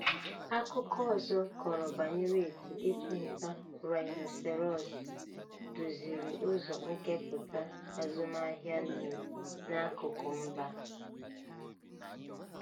Akụkọ ọzọ kọrọ banyere etu ịchụ nta raịnoserọọsụ duziri uzo nkepụta azụmahịa nnu n'akụkụ mba a .